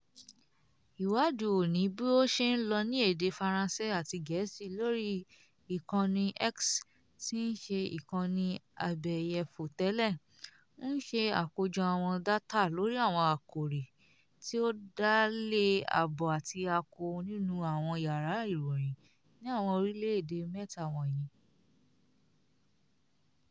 Ìwádìí oní bí ó ṣe ń lọ ní èdè Faransé àti Gẹ̀ẹ́sì lórí ìkànnì X (tíí ṣe Ìkànnì Abẹ́yẹfò tẹ́lẹ̀) ń ṣe àkójọ àwọn dátà lórí àwọn àkòrí tí ó dá lé abo àti akọ nínú àwọn yàrá ìròyìn ní àwọn orílẹ́ èdè mẹ́ta wọ̀nyí.